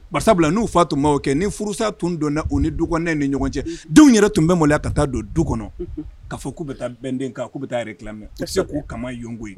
Ba sabula n'u fa tun maaw kɛ ni furusa tun dɔnɛ u ni duɛ ni ɲɔgɔn cɛ denw yɛrɛ tun bɛ maloya ka taa don du kɔnɔ ka fɔ k'u bɛ taa bɛnden kan k'u bɛ taa k'u kama yeko yen